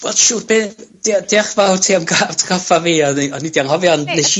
Wel shw be', dio- ddiolch fawr ti am gy- atgoffa fi odden i, o'n i 'di anghofio on'... nesh i...